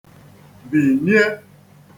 bìnie